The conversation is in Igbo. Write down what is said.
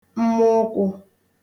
mmaụkwụ̄